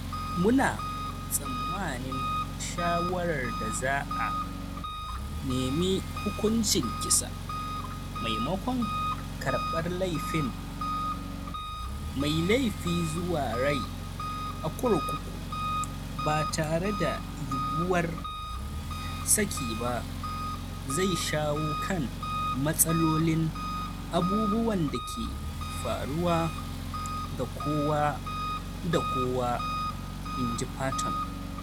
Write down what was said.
"Mu na tsammanin shawarar da za a nemi hukuncin kisa maimakon karɓar laifin mai laifi zuwa rai a kurkuku ba tare da yiwuwar saki ba zai shawo kan matsalolin abubuwan da ke faruwa ga kowa da kowa", inji Patton.